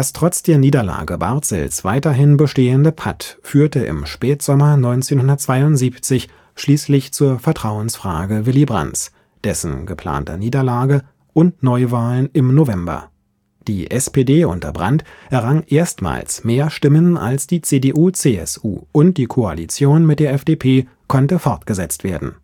trotz der Niederlage Barzels weiterhin bestehende Patt führte im Spätsommer 1972 schließlich zur Vertrauensfrage Willy Brandts, dessen geplanter Niederlage und Neuwahlen im November. Die SPD unter Brandt errang erstmals mehr Stimmen als die CDU/CSU, und die Koalition mit der FDP konnte fortgesetzt werden